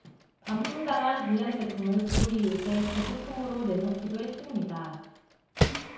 반품당한 불량제품을 불우이웃에 기부품으로 내놓기도 했습니다